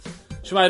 ... shwmai...